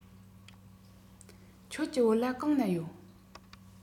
ཁྱོད ཀྱི བོད ལྭ གང ན ཡོད